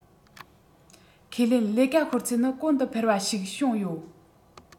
ཁས ལེན ལས ཀ ཤོར ཚད ནི གོང དུ འཕེལ བ ཞིག བྱུང ཡོད